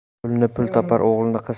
pulni pul topar o'g'ilni qiz